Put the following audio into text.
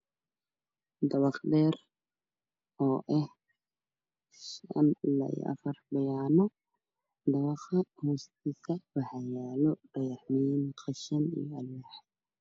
Dabaq dheer oo ah 5 biyaano hortiisa waxaa yaala qashin fara badan